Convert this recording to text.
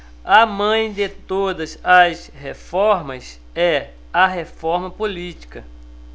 a mãe de todas as reformas é a reforma política